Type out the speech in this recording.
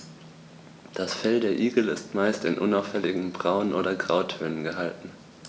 Das Fell der Igel ist meist in unauffälligen Braun- oder Grautönen gehalten.